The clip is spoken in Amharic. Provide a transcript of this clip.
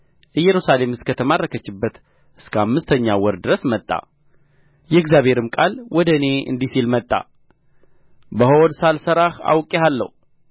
ኢየሩሳሌም እስከ ተማረከችበት እስከ አምስተኛው ወር ድረስ መጣ የእግዚአብሔርም ቃል ወደ እኔ እንዲህ ሲል መጣ በሆድ ሳልሠራህ አውቄሃለሁ